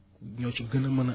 ñoo ci gën a mën a